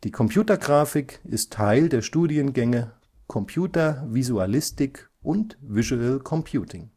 Computergrafik ist Teil der Studiengänge Computervisualistik und Visual Computing